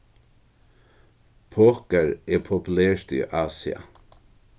poker er populert í asia